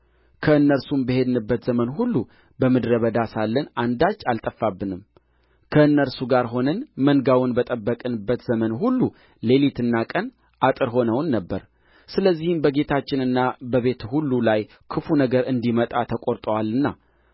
ከእነርሱም በሄድንበት ዘመን ሁሉ በምድረ በዳ ሳለን አንዳች አልጠፋብንም ከእነርሱ ጋር ሆነን መንጋውን በጠበቅንበት ዘመን ሁሉ ሌሊትና ቀን አጥር ሆነውን ነበር ስለዚህም በጌታችንና በቤቱ ሁሉ ላይ ክፉ ነገር እንዲመጣ ተቈርጦአልና